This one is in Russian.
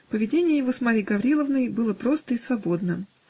Поведение его с Марьей Гавриловной было просто и свободно